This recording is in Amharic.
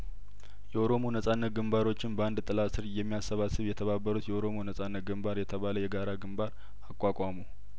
የኦሮሞ ነጻነት ግንባሮችን በአንድ ጥላ ስር የሚያሰባስብ የተባበሩት የኦሮሞ ነጻነት ግንባር የተባለየጋራ ግንባር አቋቋሙ